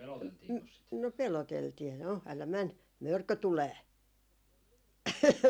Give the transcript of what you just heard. - no peloteltiin no älä mene mörkö tulee